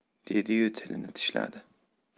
dedi yu tilini tishladi